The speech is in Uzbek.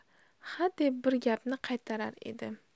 hadeb bir gapni qaytarar edi